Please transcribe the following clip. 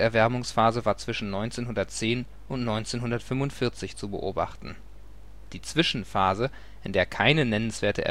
Erwärmungsphase war zwischen 1910 und 1945 zu beobachten. Die Zwischenphase, in der keine nennenswerte